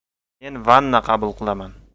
men vanna qabul qilaman